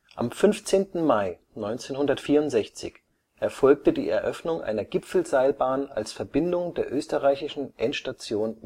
Am 15. Mai 1964 erfolgte die Eröffnung einer Gipfelseilbahn als Verbindung der österreichischen Endstation